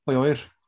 Pwy â wyr.